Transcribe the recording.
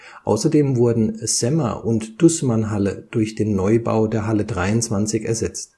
Außerdem wurden Sämmer - und Dußmannhalle durch den Neubau der Halle 23 ersetzt